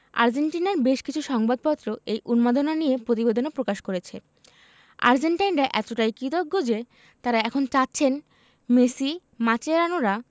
আর্জেন্টিনার বেশ কিছু সংবাদপত্র এই উন্মাদনা নিয়ে প্রতিবেদনও প্রকাশ করেছে আর্জেন্টাইনরা এতটাই কৃতজ্ঞ যে তাঁরা এখন চাচ্ছেন মেসি মাচেরানোরা